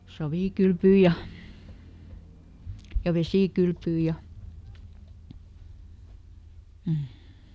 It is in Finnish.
savikylpyä ja ja vesikylpyä ja mm